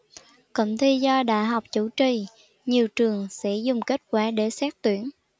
cụm thi do đại học chủ trì nhiều trường sẽ dùng kết quả để xét tuyển